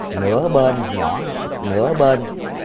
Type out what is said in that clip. nửa bên nhỏ hơn nữa bên